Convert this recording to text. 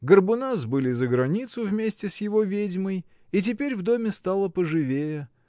Горбуна сбыли за границу вместе с его ведьмой, и теперь в доме стало поживее.